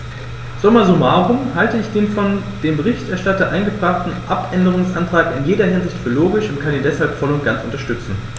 Summa summarum halte ich den von dem Berichterstatter eingebrachten Abänderungsantrag in jeder Hinsicht für logisch und kann ihn deshalb voll und ganz unterstützen.